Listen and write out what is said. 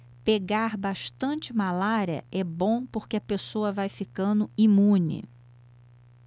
pegar bastante malária é bom porque a pessoa vai ficando imune